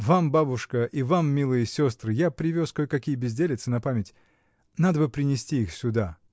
— Вам, бабушка, и вам, милые сестры, я привез кое-какие безделицы на память. Надо бы принести их сюда.